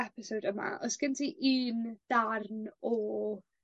episod yma o's gen ti un darn o